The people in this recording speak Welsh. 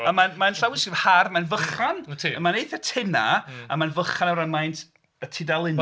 Mae'n... mae'n llawysgrif hardd mae'n fychan mae'n eitha tenau, a mae'n fychan o ran maint y tudalenau.